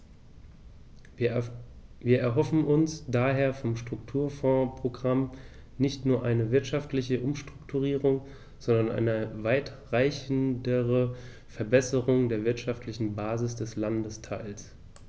Wir erhoffen uns daher vom Strukturfondsprogramm nicht nur eine wirtschaftliche Umstrukturierung, sondern eine weitreichendere Verbesserung der wirtschaftlichen Basis des Landesteils.